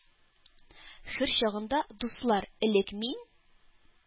Хөр чагында, дуслар, элек мин?